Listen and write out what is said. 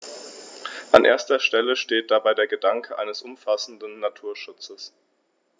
An erster Stelle steht dabei der Gedanke eines umfassenden Naturschutzes.